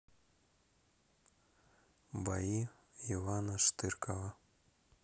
бои ивана штыркова